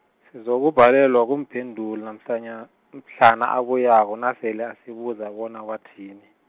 sizokubhalelwa kumphendula mhlanya- mhlana abuyako nasele asibuza bona wathini.